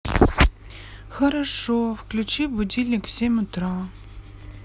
хорошо включи будильник в семь утра